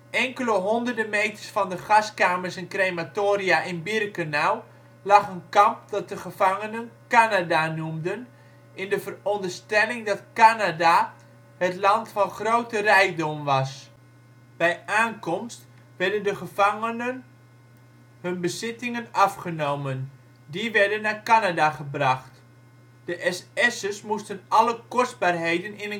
Enkele honderden meters van de gaskamers en crematoria in Birkenau lag een kamp dat de gevangenen Kanada noemden, in de veronderstelling dat Kanada het land van grote rijkdom was. Bij aankomst werd de gevangenen hun bezittingen afgenomen en naar Kanada gebracht. De SS'ers moesten alle kostbaarheden in